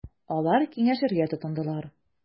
Алар киңәшергә тотындылар.